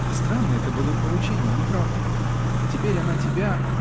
А странное это было поручение -- не правда ли? Теперь она тебя.